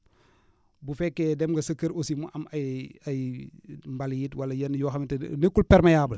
bu fekkee dem nga sa kër aussi mu am ay ay mbalit wala yenn yoo xamante ni nekkul perméable